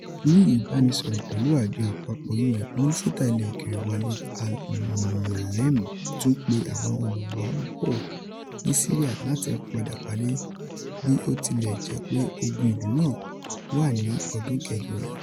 Ni ibanisọrọ pẹlu Ajọ Apapọ UN, Minisita Ilẹ Okeere Walid al-Moualem tun pe awọn oluwabo ni Syria lati pada wale, bi o tilẹ jẹpe ogun ilu naa wa ni ọdun kẹjọ rẹ.